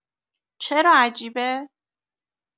چرا عجیبه؟